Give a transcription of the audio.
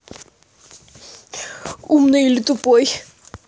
умный или тупой